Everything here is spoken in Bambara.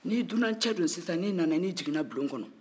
ni dunankɛ don sisan n'i nana n'i jiginna bulon kɔnɔ